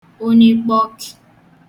onyi ịkpọkị